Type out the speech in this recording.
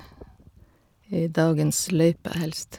I dagens løyper, helst.